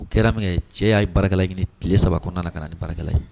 O kɛra min kɛ, cɛ ya bara ɲini tile 3 kɔnɔna la ka na ni barakɛla ye.